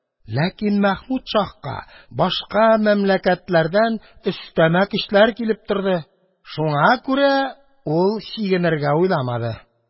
Ләкин Мәхмүд шаһка башка мәмләкәтләрдән өстәмә көчләр килеп торды, шуңа күрә ул чигенергә уйламады да.